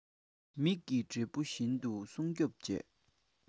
མིག གི འབྲས བུ བཞིན དུ སྲུང སྐྱོབ བྱས